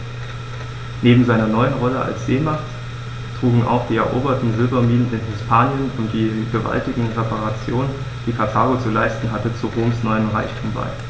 Neben seiner neuen Rolle als Seemacht trugen auch die eroberten Silberminen in Hispanien und die gewaltigen Reparationen, die Karthago zu leisten hatte, zu Roms neuem Reichtum bei.